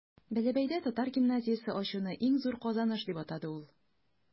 Бәләбәйдә татар гимназиясе ачуны иң зур казаныш дип атады ул.